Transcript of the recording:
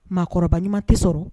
Mɔgɔkɔrɔbaba ɲuman tɛ sɔrɔ